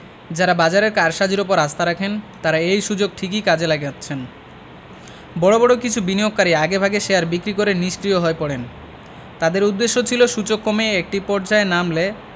যাঁরা বাজারের কারসাজির ওপর আস্থা রাখেন তাঁরা এই সুযোগ ঠিকই কাজে লাগাচ্ছেন বড় বড় কিছু বিনিয়োগকারী আগেভাগে শেয়ার বিক্রি করে নিষ্ক্রিয় হয়ে পড়েন তাঁদের উদ্দেশ্য ছিল সূচক কমে একটি পর্যায়ে নামলে